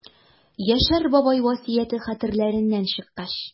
Яшәр бабай васыяте хәтерләреннән чыккан.